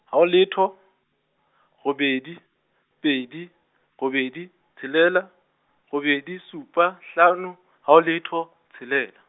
haho letho, robedi, pedi, robedi, tshelela, robedi supa hlano, haho letho, tshelela.